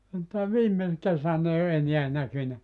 mutta viime kesänä ei ole enää näkynyt